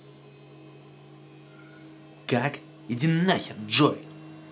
как иди нахер джой